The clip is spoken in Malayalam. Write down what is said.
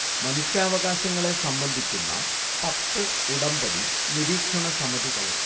മനുഷ്യാവകാശങ്ങളെ സംബന്ധിക്കുന്ന പത്ത് ഉടമ്പടി നിരീക്ഷണ സമിതികളിൽ